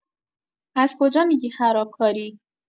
از کجا می‌گی خرابکاری؟